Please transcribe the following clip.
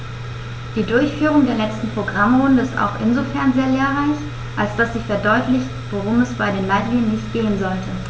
Die Durchführung der letzten Programmrunde ist auch insofern sehr lehrreich, als dass sie verdeutlicht, worum es bei den Leitlinien nicht gehen sollte.